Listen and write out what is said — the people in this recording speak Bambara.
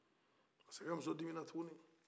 masakɛmuso dimina tuguni